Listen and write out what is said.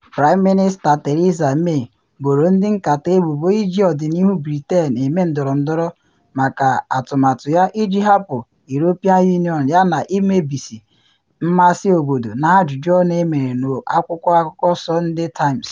Praịm Minista Theresa May boro ndị nkatọ ebubo iji ọdịnihu Britain “eme ndọrọndọrọ” maka atụmatụ ya iji hapụ European Union yana imebi mmasị obodo n’ajụjụ ọnụ emere n’akwụkwọ akụkọ Sunday Times.